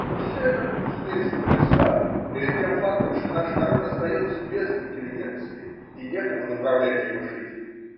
Но все это пустые словеса перед тем фактом, что наш народ остается без интеллигенции и некому направлять его жизнь.